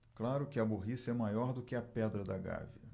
claro que a burrice é maior do que a pedra da gávea